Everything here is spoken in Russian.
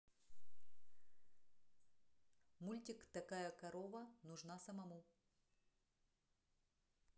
мультик такая корова нужна самому